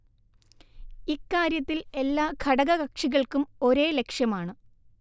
ഇക്കാര്യത്തിൽ എല്ലാ ഘടക കക്ഷികൾക്കും ഒരേ ലക്ഷ്യമാണ്